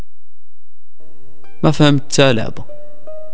ما فهمت العبه